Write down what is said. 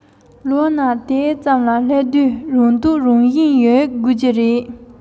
གཙོ བོ ནི ཁྱོན ཡོངས ཀྱི གནད དོན ཡིན